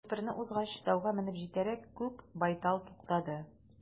Күперне узгач, тауга менеп җитәрәк, күк байтал туктады.